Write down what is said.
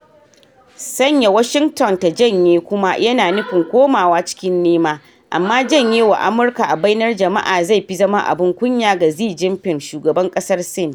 Sanya Washington ta janye kuma yana nufin komawa cikin nema, amma janye wa Amurka a bainar jama’a zai fi zama abun kunya ga Xi Jinping, Shugaban ƙasar Sin.